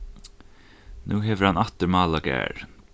nú hevur hann aftur málað garð